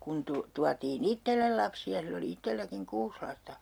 kun - tuotiin itselle lapsia sillä oli itselläkin kuusi lasta